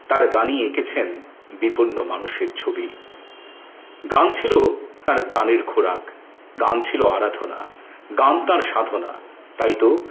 তার গানে এঁকেছেন বিপন্ন মানুষের ছবি গান ছিল তার প্রাণের খোরাক গান ছিল আরাধনা গান তার সাধনা তাইতো